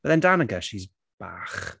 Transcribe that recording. But then Danica, she's bach.